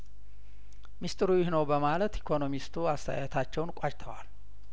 ሚስጢሩ ይህ ነው በማለት ኢኮኖሚስቱ አስተያየታቸውን ቋጭተዋል